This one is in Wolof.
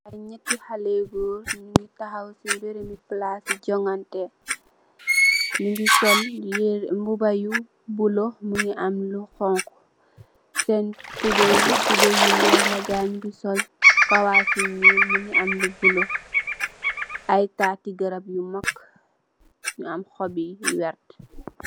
Ñetti xalèh gór ñu ngi taxaw ci barabi palasi jongateh, ñu ngi sol yirèh mbuba bula mugii am lu xonxu, sèèn tubayi, tubay yu wèèx la guyi ñu ngi sol kawas yu ñuul mugii am lu bula. Ay tati garap yu mak ñu ngi am xop yu werta.